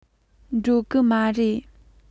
འགྲོ གི མ རེད